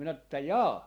minä että jaa